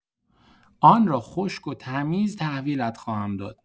آن را خشک و تمیز تحویلت خواهم داد.